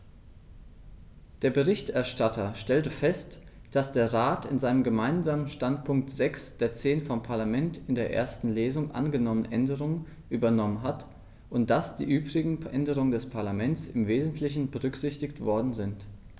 Der Berichterstatter stellte fest, dass der Rat in seinem Gemeinsamen Standpunkt sechs der zehn vom Parlament in der ersten Lesung angenommenen Änderungen übernommen hat und dass die übrigen Änderungen des Parlaments im wesentlichen berücksichtigt worden sind.